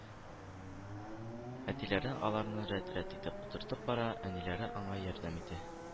Әтиләре аларны рәт-рәт итеп утыртып бара, әниләре аңа ярдәм итә